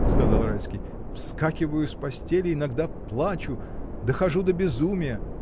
— сказал Райский, — вскакиваю с постели, иногда плачу, дохожу до безумия.